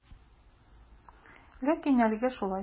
Ләкин әлегә шулай.